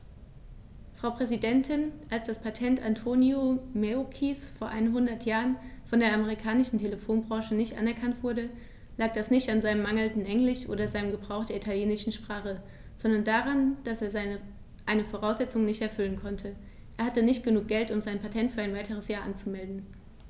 Frau Präsidentin, als das Patent Antonio Meuccis vor einhundert Jahren von der amerikanischen Telefonbranche nicht anerkannt wurde, lag das nicht an seinem mangelnden Englisch oder seinem Gebrauch der italienischen Sprache, sondern daran, dass er eine Voraussetzung nicht erfüllen konnte: Er hatte nicht genug Geld, um sein Patent für ein weiteres Jahr anzumelden.